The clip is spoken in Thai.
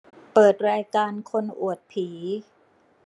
เปิดรายการคนอวดผี